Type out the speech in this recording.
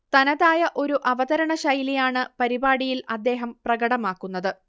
തനതായ ഒരു അവതരണ ശൈലിയാണ് പരിപാടിയിൽ അദ്ദേഹം പ്രകടമാക്കുന്നത്